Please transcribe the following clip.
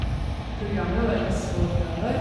Programmet var ikke så bra i år.